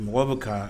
Mɔgɔ bɛ kan